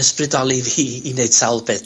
ysbrydoli fi i neud sawl peth...